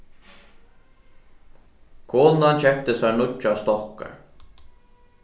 konan keypti sær nýggjar stokkar